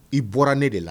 I bɔra ne de la